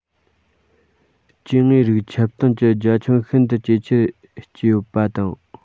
སྐྱེ དངོས རིགས ཁྱབ སྟངས ཀྱི རྒྱ ཁྱོན ཤིན ཏུ ཇེ ཆེར བསྐྱེད ཡོད པ དང